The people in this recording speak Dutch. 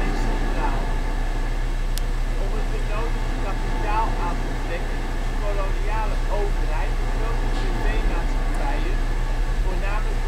centraal. Om het benodigde kapitaal aan te trekken, liet de koloniale overheid de grote privé-maatschappijen (voornamelijk